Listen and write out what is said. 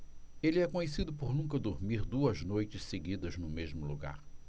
ele é conhecido por nunca dormir duas noites seguidas no mesmo lugar